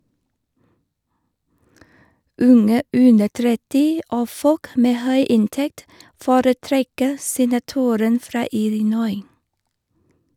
Unge under 30 og folk med høy inntekt foretrekker senatoren fra Illinois.